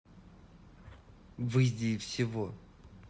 выйди из всего